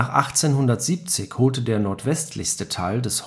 1870 holte der nordwestlichste Teil des